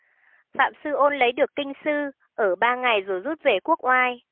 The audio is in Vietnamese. phạm sư ôn lấy được kinh sư ở ba ngày rồi rút về quốc oai